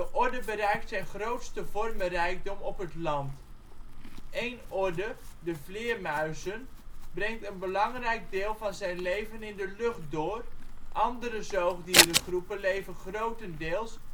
orde bereikt zijn grootste vormenrijkdom op het land. Één orde, de vleermuizen (Chiroptera), brengt een belangrijk deel van zijn leven in de lucht door, andere zoogdierengroepen leven grotendeels